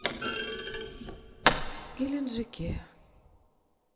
в геленджике